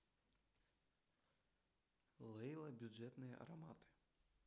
лейла бюджетные ароматы